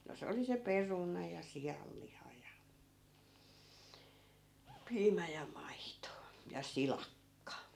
no se oli se peruna ja sianliha ja piimä ja maito ja silakka